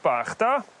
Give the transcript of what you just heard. bach da